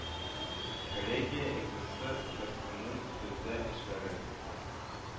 Коллегия әгъзасы, татарстанның сәүдә эшләре